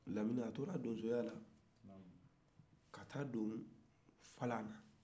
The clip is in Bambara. lanini a tora donsoya la ka taa don tu dɔla